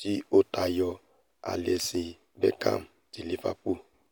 tó tayọ Alisson Becker ti Liverpool.